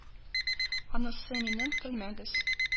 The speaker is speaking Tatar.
Анысы минем , көлмәгес